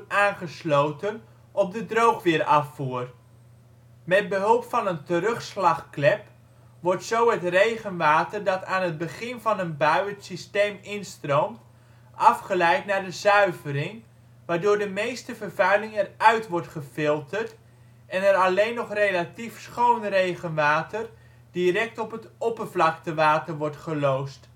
aangesloten op de droogweerafvoer. Met behulp van een terugslagklep wordt zo het regenwater dat aan het begin van een bui het systeem instroomt, afgeleid naar de zuivering, waardoor de meeste vervuiling er uit wordt gefilterd en er alleen nog relatief schoon regenwater direct op het oppervlaktewater wordt geloosd